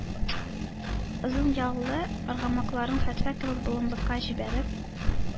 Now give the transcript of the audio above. Озын яллы аргамакларын хәтфә кебек болынлыкка җибәреп,